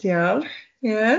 Diolch ie.